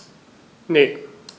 Ne.